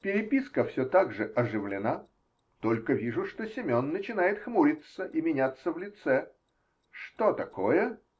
Переписка все так же оживлена, только вижу, что Семен начинает хмуриться и меняться в лице. Что такое?